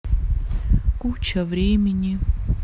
куча времени